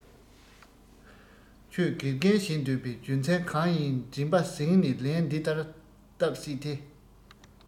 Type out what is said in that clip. ཁྱོད དགེ རྒན བྱེད འདོད པའི རྒྱུ མཚན གང ཡིན མགྲིན པ གཟེངས ནས ལན འདི ལྟར བཏབ སྲིད དེ